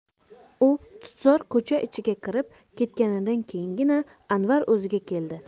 u tutzor ko'cha ichiga kirib ketganidan keyingina anvar o'ziga keldi